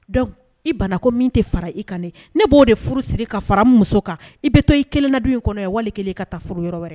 Donc i bana ko min te fara i kan ne ne b'o de furu siri ka fara muso kan i be to i 1 na du in kɔnɔ yan walikelen i ka taa furu yɔrɔ wɛrɛ